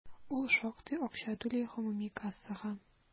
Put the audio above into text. Ул шактый акча түли гомуми кассага.